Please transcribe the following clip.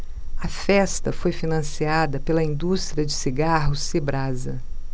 a festa foi financiada pela indústria de cigarros cibrasa